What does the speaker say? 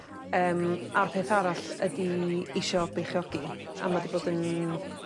Yym a'r peth arall ydi isio beichiogi. Reit. A ma' 'di bod yn